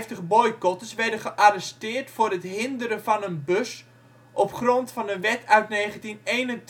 156 boycotters werden gearresteerd voor het " hinderen " van een bus op grond van een wet uit 1921